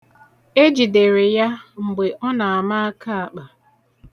E jidere ya mgbe ọ na-ama akaakpa.